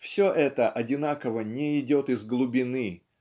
все это одинаково не идет из глубины